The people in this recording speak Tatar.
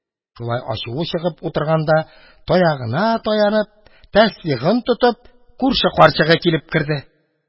Шулай ачуы чыгып утырганда, таягына таянып, тәсбихен тотып, күрше карчык килеп керде. Бу бик хәйләкәр һәм усал бер карчык иде.